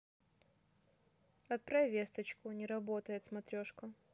отправь весточку не работает смотрешка